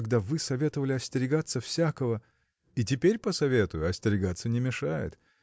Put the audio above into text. когда вы советовали остерегаться всякого. – И теперь посоветую остерегаться не мешает